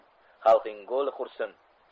xalxingobi qursin